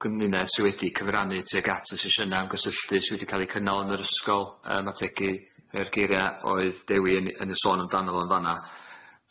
gymuned sydd wedi cyfrannu tuag at y sesiyna ymgysylltu sy' wedi ca'l ei cynnal yn yr ysgol yym ategu yr geiria oedd Dewi yn yn y sôn amdano fo yn fan'a.